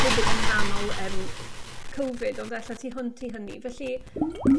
hefyd yng nghanol yym Cofid ond elle tu hwnt i hynny felly